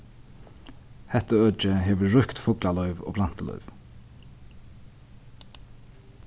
hetta økið hevur ríkt fuglalív og plantulív